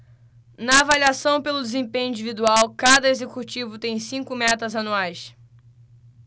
na avaliação pelo desempenho individual cada executivo tem cinco metas anuais